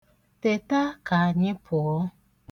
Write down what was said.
Teta ka anyị pụọ.